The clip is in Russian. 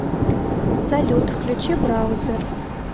салют включи браузер